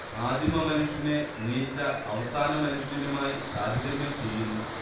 ആദിമമനുഷ്യനെ Nietzsche അവസാനമനുഷ്യനുമായി താരതമ്യം ചെയ്യുന്നു